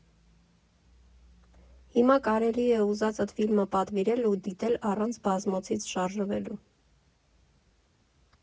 Հիմա կարելի է ուզածդ ֆիլմը պատվիրել ու դիտել առանց բազմոցից շարժվելու։